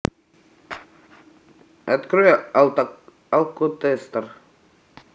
открой алкотестер